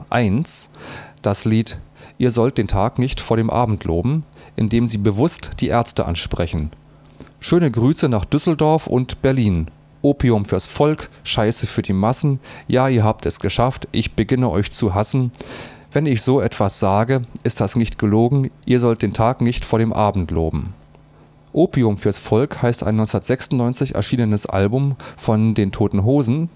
E.I.N.S. “das Lied „ Ihr sollt den Tag nicht vor dem Abend loben “, in dem sie bewusst die Ärzte ansprechen: „ Schöne Grüße nach Düsseldorf und Berlin [...] Opium fürs Volk, Scheiße für die Massen, ja Ihr habt es geschafft, ich beginne euch zu hassen, wenn ich so etwas sage, ist das nicht gelogen, Ihr sollt den Tag nicht vor dem Abend loben! “.„ Opium fürs Volk “heißt ein 1996 erschienenes Album von Die Toten Hosen